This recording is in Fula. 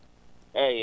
eeyi eeyi